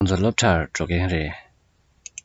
ཁོ ཚོ སློབ གྲྭར འགྲོ མཁན རེད